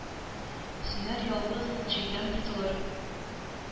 Сүнәр ялгыз, җирдән йотылыр.